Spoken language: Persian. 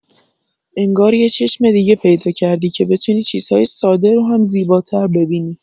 انگار یه چشم دیگه پیدا کردی که بتونی چیزهای ساده رو هم زیباتر ببینی.